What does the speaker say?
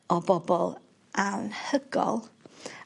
o bobol anhygol